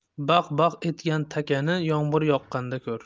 baq baq etgan takani yomg'ir yoqqanda ko'r